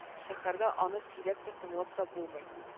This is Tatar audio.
Шәһәрдә аны сөйләп тә тыңлап та булмый